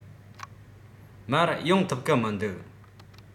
མར ཡོང ཐུབ གི མི འདུག